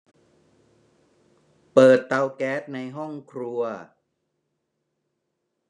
เปิดเตาแก๊สในห้องครัว